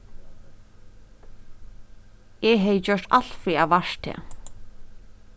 eg hevði gjørt alt fyri at vart teg